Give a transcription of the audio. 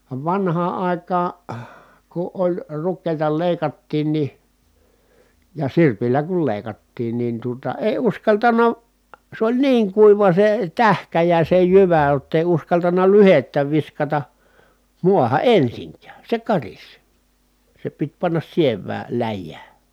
vaan vanhaan aikaan kun oli rukiita leikattiin niin ja sirpillä kun leikattiin niin tuota ei uskaltanut se oli niin kuiva se tähkä ja se jyvä jotta ei uskaltanut lyhdettä viskata maahan ensinkään se karisi se piti panna sievään läjään